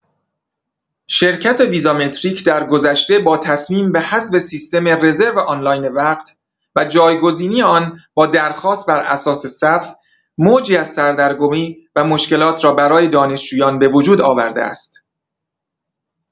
شرکت ویزامتریک درگذشته با تصمیم به حذف سیستم رزرو آنلاین وقت و جایگزینی آن با درخواست براساس صف، موجی از سردرگمی و مشکلات را برای دانشجویان به وجود آورده است.